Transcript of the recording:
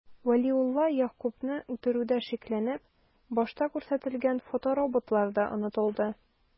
Вәлиулла Ягъкубны үтерүдә шикләнеп, башта күрсәтелгән фотороботлар да онытылды...